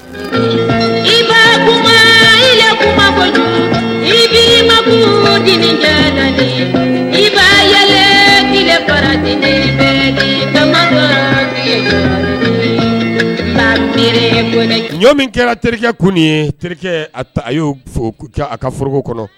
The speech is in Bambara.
I makuma ma i ba yɛlɛ ɲɔ min kɛra terikɛ kun ni ye terikɛ a y' a ka foro kɔnɔ